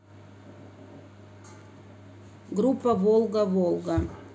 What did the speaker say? группа волга волга